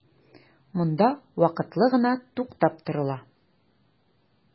Монда вакытлы гына туктап торыла.